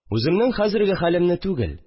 Үземнең хәзерге хәлемне түгел